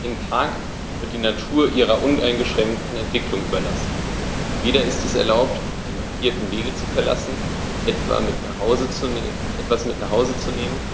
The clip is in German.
Im Park wird die Natur ihrer uneingeschränkten Entwicklung überlassen; weder ist es erlaubt, die markierten Wege zu verlassen, etwas mit nach Hause zu nehmen,